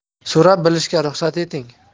so'rab bilishga ruxsat eting